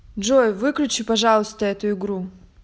джой выключи пожалуйста эту игру